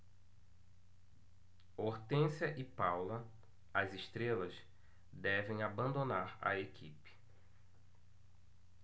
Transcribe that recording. hortência e paula as estrelas devem abandonar a equipe